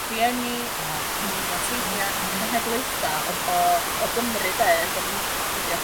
rhieni a neinia teidia a cenhedlaetha o o o Gymry 'de yn defnyddio